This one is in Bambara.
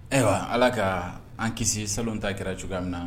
Ayiwa ala ka an kisi sa ta kɛra cogoya min na